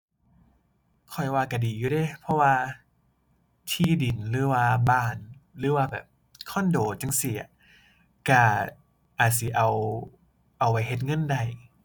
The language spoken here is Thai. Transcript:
ข้อยว่าก็ดีอยู่อยู่เดะ เพราะว่าที่ดิน หรือว่าบ้าน หรือว่าแบบคอนโดจั่งซี้อะ ก็อาจสิเอา เอาไว้เฮ็ดเงินได้